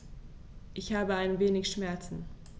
Ich habe ein wenig Schmerzen.